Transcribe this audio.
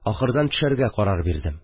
Ахырдан төшәргә карар бирдем